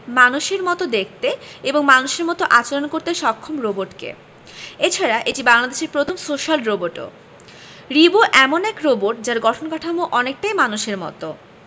মানুষের মতো দেখতে এবং মানুষের মতো আচরণ করতে সক্ষম রোবটকে এছাড়া এটি বাংলাদেশের প্রথম সোশ্যাল রোবটও রিবো এমন এক রোবট যার গঠন কাঠামো অনেকটাই মানুষের মতো